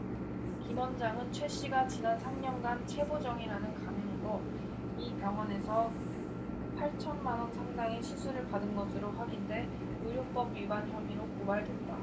김 원장은 최씨가 지난 삼 년간 최보정이란 가명으로 이 병원에서 팔천 만원 상당의 시술을 받은 것으로 확인돼 의료법 위반 혐의로 고발됐다